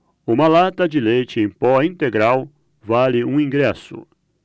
uma lata de leite em pó integral vale um ingresso